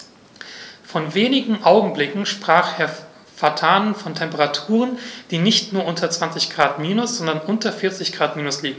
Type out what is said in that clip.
Vor wenigen Augenblicken sprach Herr Vatanen von Temperaturen, die nicht nur unter 20 Grad minus, sondern unter 40 Grad minus liegen.